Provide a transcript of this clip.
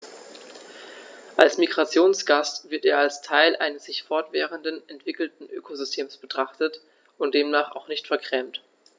Als Migrationsgast wird er als Teil eines sich fortwährend entwickelnden Ökosystems betrachtet und demnach auch nicht vergrämt.